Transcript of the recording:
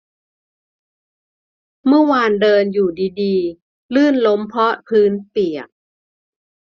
เมื่อวานเดินอยู่ดีดีลื่นล้มเพราะพื้นเปียก